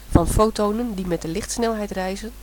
van fotonen die met de lichtsnelheid reizen